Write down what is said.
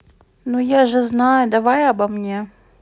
ну я же знаю давай обо мне